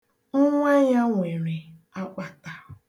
Nwa ya nwere akpata.